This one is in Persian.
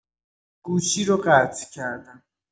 گوشی رو قطع کردم.